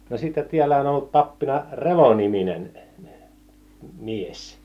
no sitten täällä on ollut pappina Relo-niminen mies